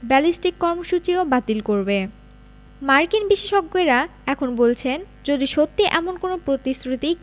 ballistic কর্মসূচিও বাতিল করবে মার্কিন বিশেষজ্ঞেরা এখন বলছেন যদি সত্যি এমন কোনো প্রতিশ্রুতি